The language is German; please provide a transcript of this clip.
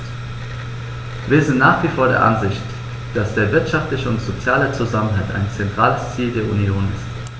Wir sind nach wie vor der Ansicht, dass der wirtschaftliche und soziale Zusammenhalt ein zentrales Ziel der Union ist.